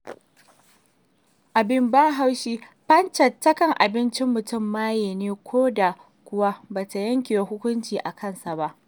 Abin ban haushi, Panchayat ta kan amince mutum maye ne ko da kuwa ba ta yanke hukunci a kan sa ba.